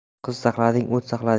qiz saqlading o't saqlading